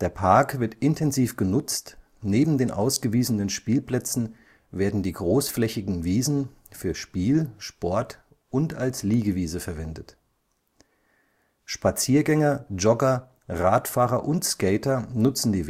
Park wird intensiv genutzt, neben den ausgewiesenen Spielplätzen werden die großflächigen Wiesen für Spiel, Sport und als Liegewiese verwendet. Spaziergänger, Jogger, Radfahrer und Skater nutzen die